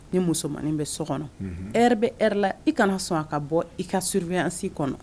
Ni musomanin bɛ so kɔnɔ e bɛ e la i kana sɔn ka bɔ i ka sbiya si kɔnɔ